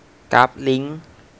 กราฟลิ้ง